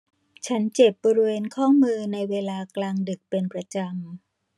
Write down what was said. ฉันเจ็บบริเวณข้อมือในเวลากลางดึกเป็นประจำ